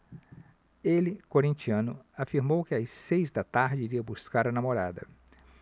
ele corintiano afirmou que às seis da tarde iria buscar a namorada